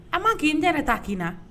An ma k'i n yɛrɛ ta' na